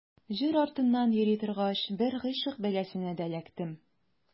Җыр артыннан йөри торгач, бер гыйшык бәласенә дә эләктем.